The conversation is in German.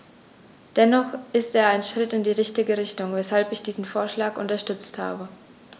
Dennoch ist er ein Schritt in die richtige Richtung, weshalb ich diesen Vorschlag unterstützt habe.